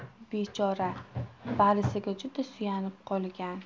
bechora valisiga juda suyanib qolgan